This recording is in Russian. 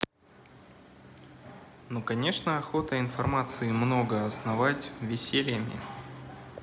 ну конечно охота информации много основать весельями